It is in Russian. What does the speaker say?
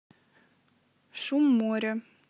шум моря